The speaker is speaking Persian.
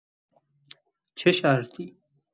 چه شرطی؟